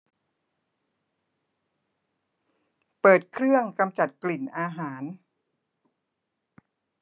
เปิดเครื่องกำจัดกลิ่นอาหาร